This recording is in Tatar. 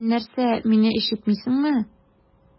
Син нәрсә, мине ишетмисеңме?